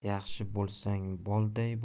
yaxshi bo'lsang bolday bo'l